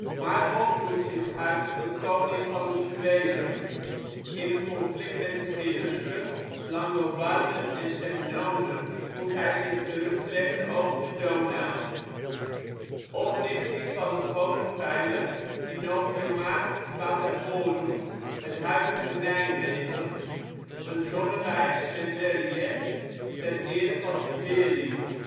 Marbod roept zich uit tot koning van de Sueben, in een conflict met de Cherusken, Langobarden en Semnonen moet hij zich terugtrekken over de Donau. Oprichting van de godenpijler in Noviomagus Batavorum (huidige Nijmegen), een zonnewijzer met reliëfs ter ere van Tiberius